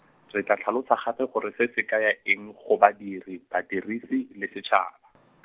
re tla tlhalosa gape gore se se kaya eng go badiri, badirisi, le setšhaba .